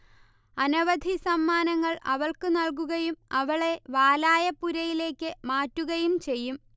അനവധി സമ്മാനങ്ങൾ അവൾക്ക് നൽകുകയും അവളെ വാലായപ്പുരയിലേക്ക് മാറ്റുകയും ചെയ്യും